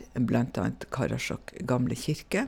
Blant annet Karasjok gamle kirke.